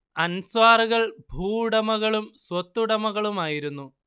അൻസ്വാറുകൾ ഭൂവുടമകളും സ്വത്തുടമകളുമായിരുന്നു